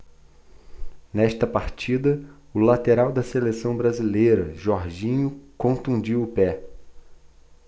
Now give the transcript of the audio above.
nesta partida o lateral da seleção brasileira jorginho contundiu o pé